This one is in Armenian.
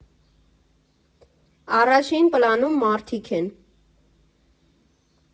Առաջին պլանում մարդիկ են։